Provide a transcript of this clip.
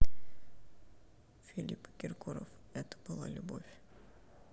филипп киркоров это была любовь